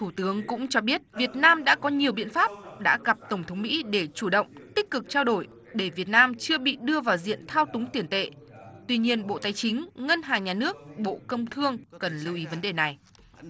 thủ tướng cũng cho biết việt nam đã có nhiều biện pháp đã gặp tổng thống mỹ để chủ động tích cực trao đổi để việt nam chưa bị đưa vào diện thao túng tiền tệ tuy nhiên bộ tài chính ngân hàng nhà nước bộ công thương cần lưu ý vấn đề này